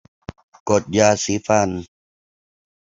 กดยาสีฟัน